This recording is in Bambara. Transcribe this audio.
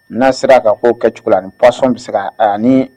N'a sera ka'o kɛ cogo la ni pasɔn bɛ se ni